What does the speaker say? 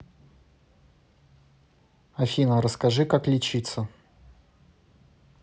афина расскажи как лечиться